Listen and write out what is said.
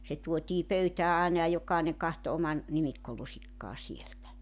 se tuotiin pöytään aina ja jokainen katsoi oman nimikkolusikkansa sieltä